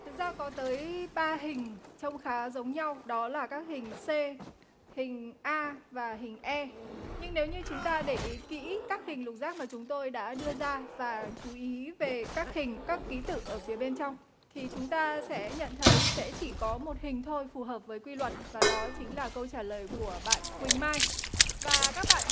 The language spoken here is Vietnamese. thực ra có tới ba hình trông khá giống nhau đó là các hình xê hình a và hình e nhưng nếu như chúng ta để ý kỹ các hình lục giác mà chúng tôi đã đưa ra và chú ý về các hình các ký tự ở phía bên trong thì chúng ta sẽ nhận thấy sẽ chỉ có một hình thôi phù hợp với quy luật và đó chính là câu trả lời của bạn quỳnh mai và các bạn